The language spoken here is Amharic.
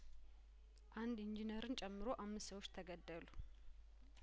አንድ ኢንጂነርን ጨምሮ አምስት ሰዎች ተገደሉ